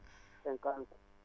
50